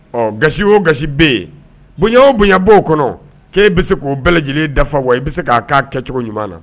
Ɔ gasi o gasi bɛ yen bonya o bonya b'o kɔnɔ k'e bɛ se k'o bɛɛ lajɛlen dafa wa i bɛ se k'a kɛcogo ɲuman na